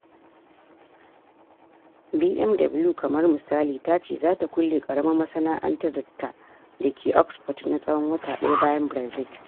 BMW, kamar misali, ta ce zata kulle karamin masana’antar ta da ke Oxford na tsawon wata daya bayan Brexit.